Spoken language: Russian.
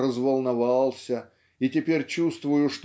разволновался и теперь чувствую